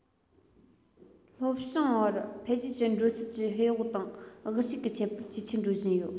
ལྷོ བྱང བར འཕེལ རྒྱས འགྲོ ཚུལ གྱི ཧེ བག དང དབུལ ཕྱུག གི ཁྱད པར ཇེ ཆེར འགྲོ བཞིན ཡོད